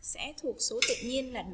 vẽ thuộc số tự nhiên là